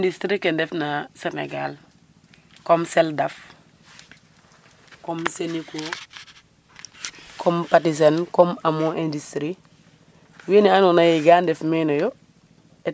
Bep indutrie ke ndefna Senegal comme seldaf comme Senico comme Patisen comme Amo industrie wene andoona ye ga ndef men oyo